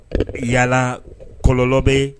Yala kɔlɔlɔ bɛ